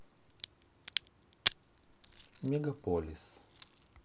мегаполис